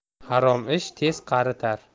harom ish tez qaritar